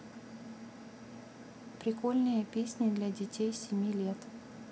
прикольные песни для детей семи лет